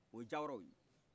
oye diawaraw ye